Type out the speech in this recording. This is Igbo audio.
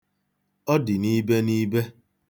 Ọ dị n'ibe n'ibe.